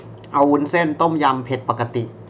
เอาวุ้นเส้นต้มยำเผ็ดปกติ